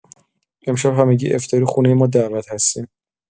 امشب همگی افطاری خونۀ ما دعوت هستین.